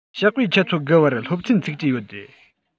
ཞོགས པའི ཆུ ཚོད དགུ པར སློབ ཚན ཚུགས ཀྱི ཡོད རེད